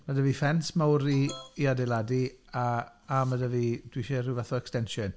Mae 'da fi ffens mawr i i adeiladu a ma' 'da fi... dwi isie rhyw fath o extension.